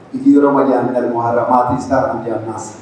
Ikima jan an da harabama tɛ sara an jan na